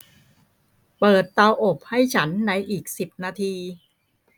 เปิดเตาอบให้ฉันในอีกสิบนาที